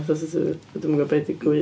Achos sa- dwi ddim yn gwybod be dwi gwydd.